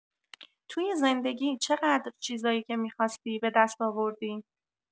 توی زندگی چقدر چیزایی که می‌خواستی، به دست آوردی؟